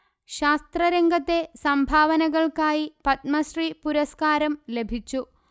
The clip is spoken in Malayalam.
ശാസ്ത്ര രംഗത്തെ സംഭാവനകൾക്കായി പത്മശ്രീ പുരസ്കാരം ലഭിച്ചു